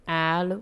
Aa